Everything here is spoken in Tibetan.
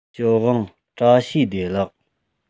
ཞའོ ཝང བཀྲ ཤིས བདེ ལེགས